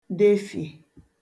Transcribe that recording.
defìè